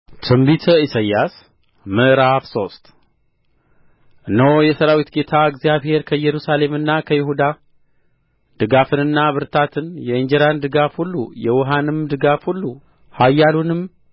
ትንቢተ ኢሳይያስ ምዕራፍ ሶስት እነሆ የሠራዊት ጌታ እግዚአብሔር ከኢየሩሳሌምና ከይሁዳ ድጋፍንና ብርታትን የእንጀራን ድጋፍ ሁሉ የውኃውንም ድጋፍ ሁሉ ኃያሉንም